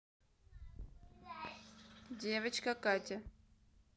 девочка катя